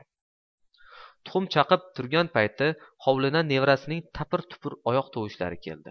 tuxum chaqib turgan payti hovlidan nevarasining tapir tupir oyoq tovushlari keldi